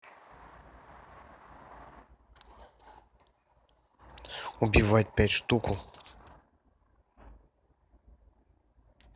убивать пять штуку